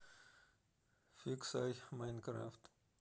фиксай майнкрафт